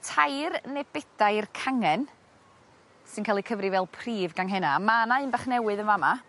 tair ne' bedai'r cangen sy'n ca'l 'u cyfri fel prif ganghenna a ma' 'na un bach newydd yn fa' 'ma